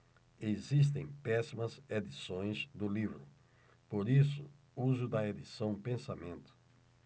existem péssimas edições do livro por isso use o da edição pensamento